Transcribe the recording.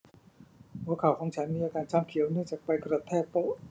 หัวเข่าของฉันมีอาการช้ำเขียวเนื่องจากไปกระแทกโต๊ะ